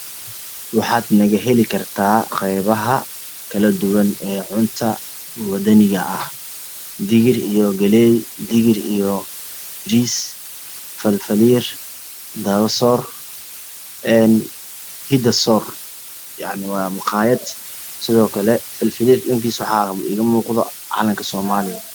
Waxaad naga heli kartaa qeybah kala duwan ee cunta